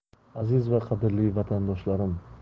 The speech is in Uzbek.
aziz va qadrli vatandoshlarim